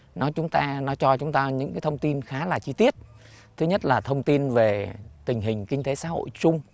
nói chúng ta nó cho chúng ta những cái thông tin khá là chi tiết thứ nhất là thông tin về tình hình kinh tế xã hội chung